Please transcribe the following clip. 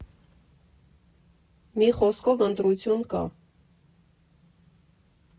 Մի խոսքով, ընտրություն կա։